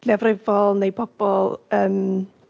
Leiafrifol neu pobl yym...